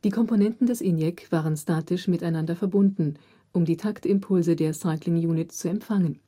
Komponenten des ENIAC waren statisch miteinander verbunden, um die Taktimpulse der Cycling Unit zu empfangen